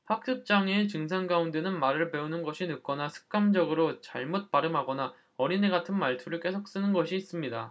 학습 장애의 증상 가운데는 말을 배우는 것이 늦거나 습관적으로 잘못 발음하거나 어린애 같은 말투를 계속 쓰는 것이 있습니다